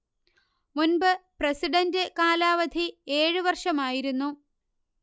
മുൻപ് പ്രസിഡണ്ട് കാലാവധി ഏഴ് വർഷമായിരുന്നു